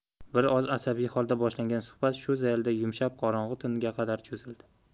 bir oz asabiy holda boshlangan suhbat shu zaylda yumshab qorong'i tunga qadar cho'zildi